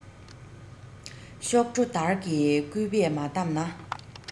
གཤོག སྒྲོ དར གྱིས སྐུད པས མ བསྡམས ན